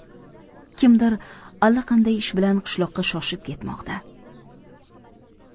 kimdir allaqanday ish bilan qishloqqa shoshib ketmoqda